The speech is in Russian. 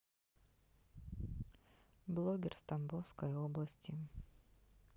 блогер с тамбовской области